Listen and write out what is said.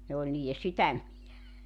ne oli niiden sydämiä